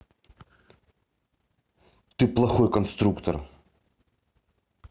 ты плохой конструктор